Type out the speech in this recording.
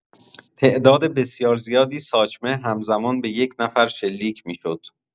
تعداد بسیار زیادی ساچمه همزمان به یک نفر شلیک می‌شد.